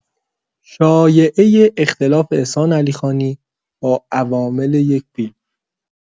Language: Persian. شایعه اختلاف احسان علیخانی با عوامل یک فیلم